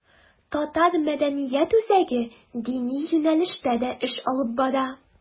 Татар мәдәният үзәге дини юнәлештә дә эш алып бара.